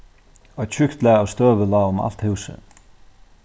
eitt tjúkt lag av støvi lá um alt húsið